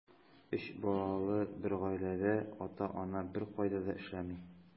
Өч балалы бер гаиләдә ата-ана беркайда да эшләми.